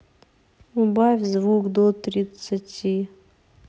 убавь звук до тридцати